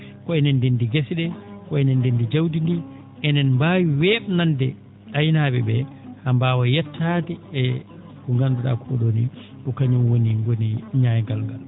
ko enen ndeendi gese ?ee ko enen ndeendi jawdi ndi enen mbaawi wee?nande aynaa?e ?ee haa mbaawa yettaade e ko ngandu?aa ko ?oo nii ko kañum woni goni ñaaygal ngal